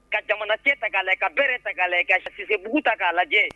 Ka jamana den ta ka labɛ, ka bere ta ka lajɛ ka sisebugu ta ka lajɛ.